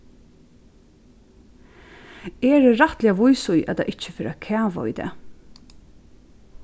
eg eri rættiliga vís í at tað ikki fer at kava í dag